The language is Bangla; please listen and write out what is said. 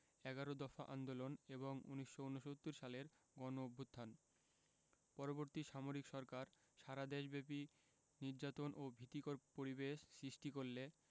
এগারো দফা আন্দোলন এবং ১৯৬৯ সালের গণঅভ্যুত্থান পরবর্তী সামরিক সরকার সারা দেশব্যাপী নির্যাতন ও ভীতিকর পরিবেশ সৃষ্টি করলে